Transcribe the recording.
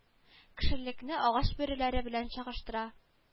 Кешелекне агач бөреләре белән чагыштыра